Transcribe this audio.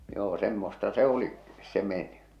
joo semmoista se oli se -